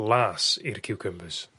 blas i'r ciwcymbyrs.